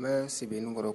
N bɛ si nin kɔrɔ